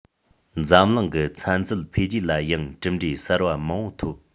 འཛམ གླིང གི ཚན རྩལ འཕེལ རྒྱས ལ ཡང གྲུབ འབྲས གསར པ མང པོ ཐོབ